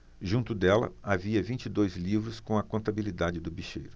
junto dela havia vinte e dois livros com a contabilidade do bicheiro